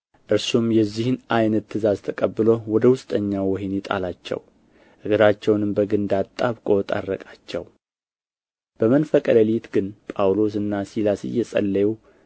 እርሱም የዚህን ዓይነት ትእዛዝ ተቀብሎ ወደ ውስጠኛው ወኅኒ ጣላቸው እግራቸውንም በግንድ አጣብቆ ጠረቃቸው በመንፈቀ ሌሊት ግን ጳውሎስና ሲላስ እየጸለዩ